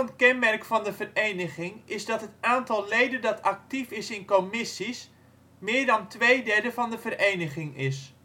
kenmerk van de vereniging is dat het aantal leden dat actief is in commissies meer dan twee derde van de vereniging is